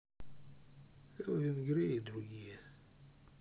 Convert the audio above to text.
элвин грей и другие